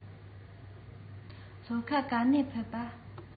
ལྷོ ཁ ག ནས ཕེབས པྰ